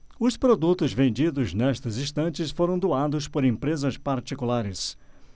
os produtos vendidos nestas estantes foram doados por empresas particulares